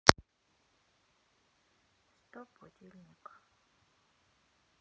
стоп будильник